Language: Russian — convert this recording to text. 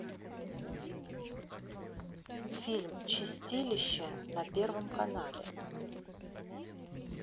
фильм чистилище на первом канале